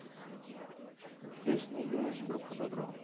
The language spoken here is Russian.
песня юность группа добро